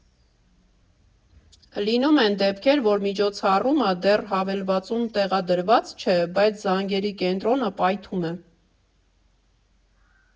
Լինում են դեպքեր, որ միջոցառումը դեռ հավելվածում տեղադրված չէ, բայց զանգերի կենտրոնը պայթում է.